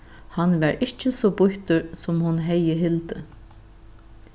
hann var ikki so býttur sum hon hevði hildið